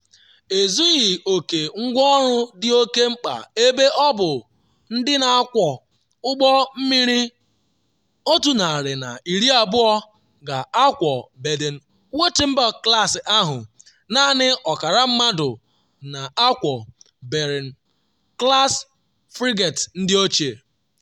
Ezughị oke ngwanro dị oke mkpa ebe ọ bụ ndị na-akwọ ụgbọ mmiri 120 ga-akwọ Baden-Wuerttemberg-class ahụ - naanị ọkara mmadụ na-akwọ Bremen class frigate ndị ochie.